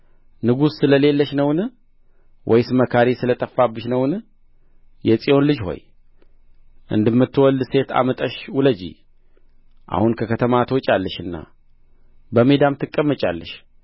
ንጉሥ ስለሌለሽ ነውን ወይስ መካሪ ስለ ጠፋብሽ ነውን የጽዮን ልጅ ሆይ እንደምትወልድ ሴት አምጠሽ ውለጂ አሁን ከከተማ ትወጫለሽና በሜዳም ትቀመጫለሽ